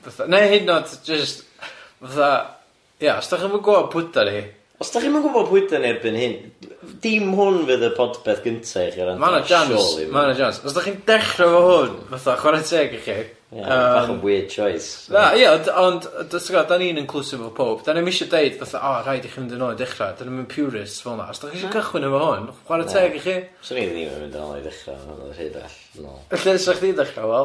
fatha neu hyd yn o'd jyst fatha ia os 'dach chi'm yn gwbo pwy 'da ni... Os 'dach chi'm yn gwbo pwy 'da ni erbyn hyn, dim hwn fydd y podpeth gynta i chi wrando ar surely... Ma' 'na chance, ma' 'na chance os 'dach chi'n dechra efo hwn fatha chwara teg i chi yym... Bach yn weird choice... Na ia ond ti'bod 'dan ni'n inclusive o powb 'dan ni'm isio deud fatha 'o rhaid i chi fynd yn ôl i dechra' 'dan ni'n mynd purist fel 'na os dach chi isio cychwyn efo hwn chwara teg i chi... 'Swn i ddim yn mynd yn ôl i ddechra fatha rhy bell nôl. Lle 'sa chdi'n dechra Hywel?